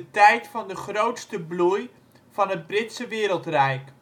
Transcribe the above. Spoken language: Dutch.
tijd van de grootste bloei van het Britse wereldrijk